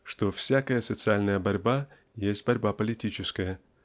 что всякая социальная борьба есть борьба политическая